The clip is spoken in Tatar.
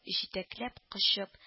Җитәкләп-кочып